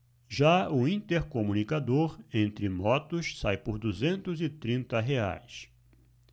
já o intercomunicador entre motos sai por duzentos e trinta reais